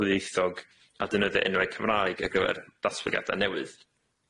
ddwyieithog a defnyddio enwau Cymraeg ar gyfer datblygiada' newydd.